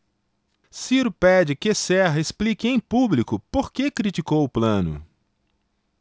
ciro pede que serra explique em público por que criticou plano